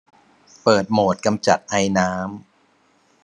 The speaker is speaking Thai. เปิดโหมดกำจัดไอน้ำ